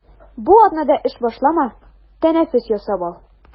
Бу атнада эш башлама, тәнәфес ясап ал.